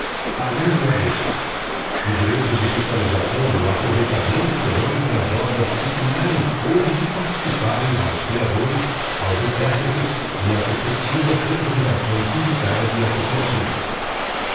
alínea b o direito de fiscalização do aproveitamento econômico das obras que criarem ou de que participarem aos criadores aos intérpretes e às respectivas representações sindicais e associativas